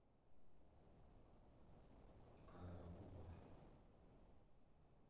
караулов